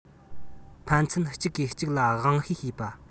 ཕན ཚུན གཅིག གིས གཅིག ལ དབང ཤེད བྱེད པ